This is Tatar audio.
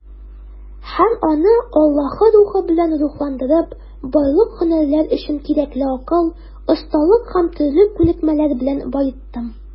Һәм аны, Аллаһы Рухы белән рухландырып, барлык һөнәрләр өчен кирәкле акыл, осталык һәм төрле күнекмәләр белән баеттым.